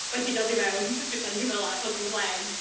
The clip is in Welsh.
Wedi dod i mewn. Ddeudwn ni fela i fod yn glên!